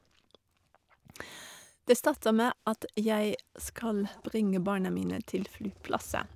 Det starter med at jeg skal bringe barna mine til flyplassen.